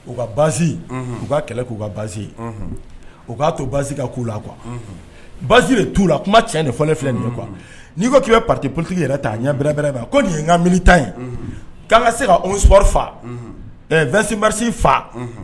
U ka basi u ka kɛlɛ k'u ka basi ye u k'a to basi ka k'u la qu basi bɛ t'u la kuma cɛ nin fɔ ne filɛ nin ye kuwa n'i ko k'i bɛ pa politigi yɛrɛ ta ɲɛbbɛrɛ ko nin ye n ka minita ye k' ka se kaswari fa vba fa